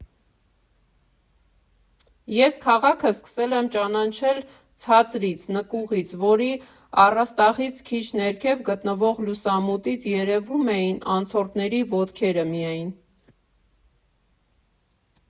Ես քաղաքը սկսել եմ ճանաչել ցածրից, նկուղից, որի առաստաղից քիչ ներքև գտնվող լուսամուտից երևում էին անցորդների ոտքերը միայն։